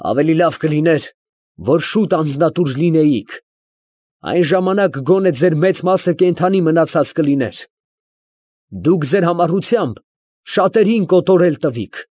Ավելի լավ կլիներ, որ շուտ անձնատուր լինեիք, այն ժամանակ գոնե ձեր մեծ մասը կենդանի մնացած կլիներ. դուք ձեր համառությամբ շատերին կոտորել տվիք։